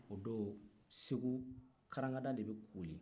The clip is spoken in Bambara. o don segu karangada de bɛ koli